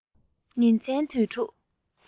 ཉིན མཚན དུས དྲུག